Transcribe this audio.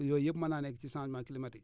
yooyu yëpp mën naa ne ci changement climatique